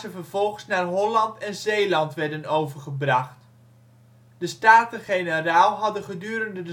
vervolgens naar Holland en Zeeland werden overgebracht. De Staten-Generaal hadden gedurende